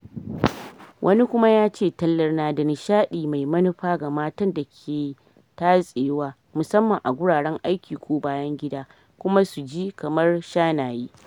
wani kuma yace: “tallar na da nishadi mai manufa ga matan da ke tatsewa (musamman a guraren aiki ko bayan gida) kuma su ji kamar “shanaye.”